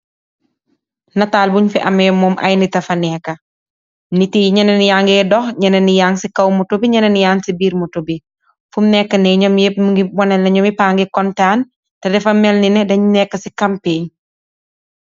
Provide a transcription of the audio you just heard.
Nataal buñ fi amee moom aynitafa nekka. Nitti ñenen yangee dox, ñenen yaang si kiw moto bi, ñeneen yaang ci biir moto bi. Fum nekk nii ñoom yépp ñu ngi wone ne ñiom ñeipaangi kontaan te dafa melnine dañ nekk ci kampiiñ.